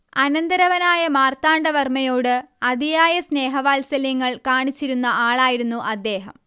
അനന്തരവനായ മാർത്താണ്ഡവർമ്മയോട് അതിയായ സ്നേഹവാത്സല്യങ്ങൾ കാണിച്ചിരുന്ന ആളായിരുന്നു അദ്ദേഹം